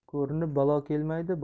ko'rinib balo kelmaydi